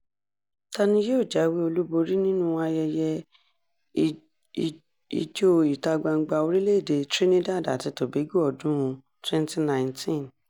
‪Ta ni yóò jáwé olúborí nínú Ayẹyẹ ijó ìta-gbangba orílẹ̀-èdè Trinidad àti Tobago ọdún-un 2019?‬